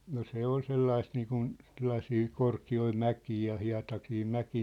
no se oli sellaista niin kuin sellaisia korkeita mäkiä ja hietaisia mäkiä